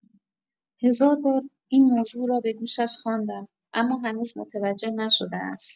هزار بار این موضوع را به گوشش خواندم، اما هنوز متوجه نشده است.